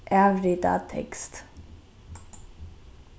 avrita tekst